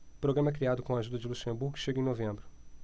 programa criado com a ajuda de luxemburgo chega em novembro